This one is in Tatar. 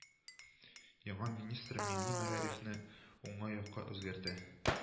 Яңа министр милли мәгарифне уңай якка үзгәртә